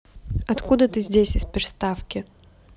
откуда ты здесь из приставки